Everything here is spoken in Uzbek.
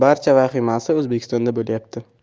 barcha vahimasi o'zbekistonda bo'lyapti